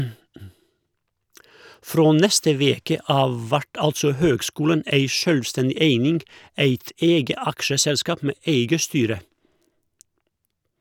Frå neste veke av vert altså høgskulen ei sjølvstendig eining, eit eige aksjeselskap med eige styre.